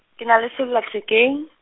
le na le sellathekeng.